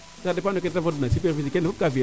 ca depend nete fod na keene fop kaa fiyel